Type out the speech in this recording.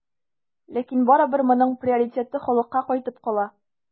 Ләкин барыбер моның приоритеты халыкка кайтып кала.